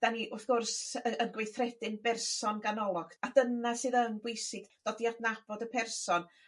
'dan ni wrth gwrs y- yn gweithredu'n berson ganolog a dyna sydd yn bwysig, dod i adnabod y person